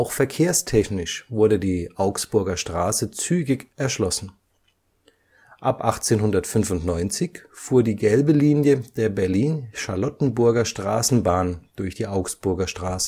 verkehrstechnisch wurde die Augsburger Straße zügig erschlossen. Ab 1895 fuhr die gelbe Linie der Berlin-Charlottenburger Straßenbahn durch die Augsburger Straße